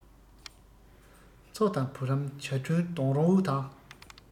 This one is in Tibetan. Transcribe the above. མཚོ དང བུ རམ བྱ བྲུན སྡོང རོས དང